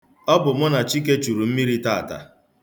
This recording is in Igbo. Ọ bụ mụ na Chike chụrụ mmiri taata.